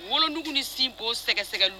Wudugu ni sin'o sɛgɛgɛ